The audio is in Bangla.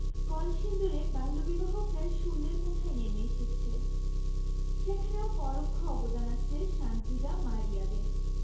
কলসিন্দুরে বাল্যবিবাহ প্রায় শূন্যের কোঠায় নেমে এসেছে সেখানেও পরোক্ষ অবদান আছে সানজিদা মারিয়াদের